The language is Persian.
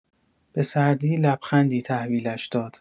به سردی لبخندی تحویلش داد.